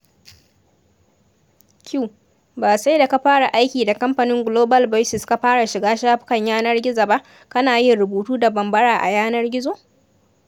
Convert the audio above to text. Q: Ba sai da ka fara aiki da Kamfanin Global Voices ka fara shiga shafukan yanar gizo ba, kana yin rubutu da Bambara a yanar gizo